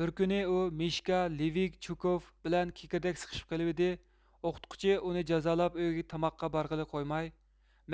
بىر كۈنى ئۇ مىشكا لىۋگچۇكوف بىلەن كېكىردەك سىقىشىپ قېلىۋىدى ئوقۇتقۇچى ئۇنى جازالاپ ئۆيگە تاماققا بارغىلى قويماي